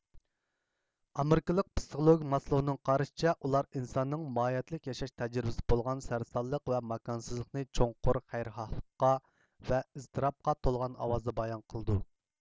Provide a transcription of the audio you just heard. ئامېرىكىلىق پسىخولوگ ماسلوۋنىڭ قارىشىچە ئۇلار ئىنساننىڭ ماھىيەتلىك ياشاش تەجرىبىسى بولغان سەرسانلىق ۋە ماكانسىزلىقنى چوڭقۇر خەيرىخاھلىققا ۋە ئىزتىراپقا تولغان ئاۋازدا بايان قىلىدۇ